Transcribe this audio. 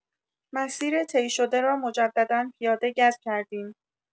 مسیر طی شده را مجددا پیاده گز کردیم.